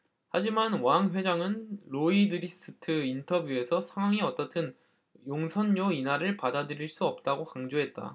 하지만 왕 회장은 로이드리스트 인터뷰에서 상황이 어떻든 용선료 인하를 받아들일 수 없다고 강조했다